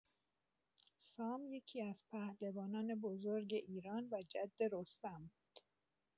سام یکی‌از پهلوانان بزرگ ایران و جد رستم بود.